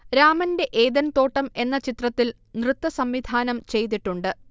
രാമന്റെ ഏദൻതോട്ടം എന്ന ചിത്രത്തിൽ നൃത്തസംവിധാനം ചെയ്തിട്ടുണ്ട്